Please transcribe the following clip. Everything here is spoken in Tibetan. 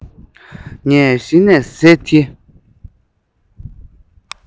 ངས གཞི ནས ཟས འདི